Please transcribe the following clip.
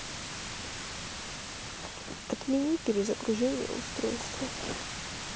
отмени перезагружение устройства